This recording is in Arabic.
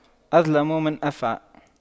أظلم من أفعى